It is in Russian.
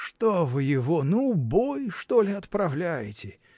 – Что вы его, на убой, что ли, отправляете?